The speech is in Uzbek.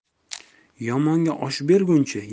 yomonga osh berguncha